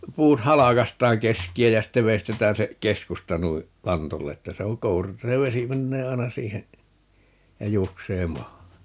puut halkaistaan keskeä ja sitten veistetään se keskusta noin lantolle että se on kouru että se vesi menee aina siihen ja juoksee maahan